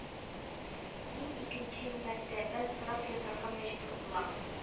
Мин икенче мәртәбә сорап язарга мәҗбүр булам